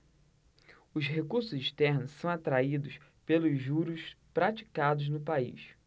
os recursos externos são atraídos pelos juros praticados no país